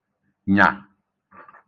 nyà